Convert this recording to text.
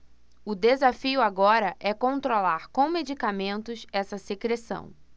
o desafio agora é controlar com medicamentos essa secreção